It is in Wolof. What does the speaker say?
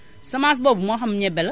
semence boobu moo xam ñebe la